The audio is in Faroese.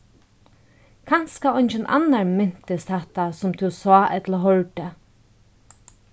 kanska eingin annar minnist hatta sum tú sá ella hoyrdi